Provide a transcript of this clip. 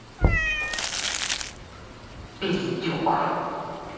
пиздюк